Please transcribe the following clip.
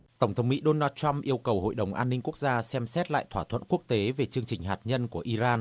tổng thống mỹ đô nan trăm yêu cầu hội đồng an ninh quốc gia xem xét lại thỏa thuận quốc tế về chương trình hạt nhân của i ran